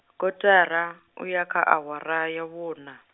kotara, uya kha awara ya vhuna.